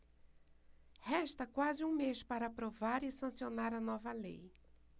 resta quase um mês para aprovar e sancionar a nova lei